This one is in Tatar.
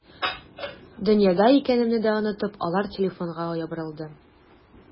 Дөньяда икәнемне дә онытып, алар телефонга ябырылды.